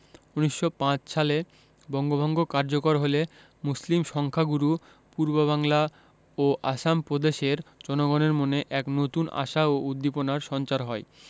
১৯০৫ সালে বঙ্গভঙ্গ কার্যকর হলে মুসলিম সংখ্যাগুরু পূর্ববাংলা ও আসাম প্রদেশের জনগণের মনে এক নতুন আশা ও উদ্দীপনার সঞ্চার হয়